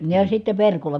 ja sitten verkolla